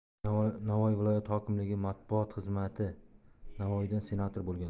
navoiy viloyati hokimligii matbuot xizmatinavoiydan senator bo'lganlar